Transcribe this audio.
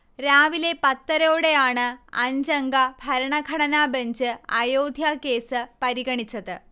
രാവിലെ പത്തരയോടെയാണ് അഞ്ചംഗ ഭരണഘടനാബഞ്ച് അയോധ്യ കേസ് പരിഗണിച്ചത്